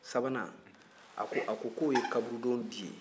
sabanan a ko ko ye kaburudo di ye